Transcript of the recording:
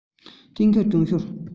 གཏན འཁེལ རྐྱོན ཤོར